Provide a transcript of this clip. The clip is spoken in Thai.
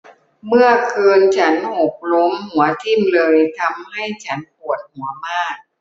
เมื่อคืนฉันหกล้มหัวทิ่มเลยทำให้ฉันปวดหัวมาก